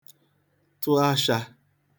tụ ashā